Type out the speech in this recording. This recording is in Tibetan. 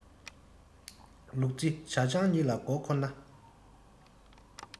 ལུག རྫི ཇ ཆང གཉིས ལ མགོ འཁོར ན